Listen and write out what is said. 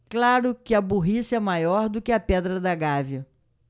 claro que a burrice é maior do que a pedra da gávea